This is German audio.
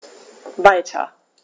Weiter.